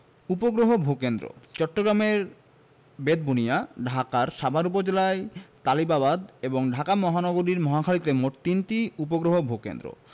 উপগ্রহ ভূ কেন্দ্রঃ চট্টগ্রামের বেতবুনিয়া ঢাকার সাভার উপজেলায় তালিবাবাদ এবং ঢাকা মহানগরীর মহাখালীতে মোট তিনটি উপগ্রহ ভূ কেন্দ্র